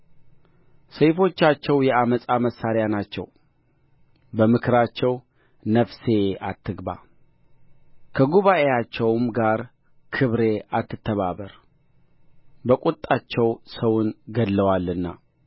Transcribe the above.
ሰይፎቻቸው የዓመፃ መሣሪያ ናቸው በምክራቸው ነፍሴ አትግባ ከጉባኤአቸውም ጋር ክብሬ አትተባበር በቍጣቸው ሰውን ገድለዋልና